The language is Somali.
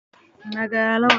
Waa magaalo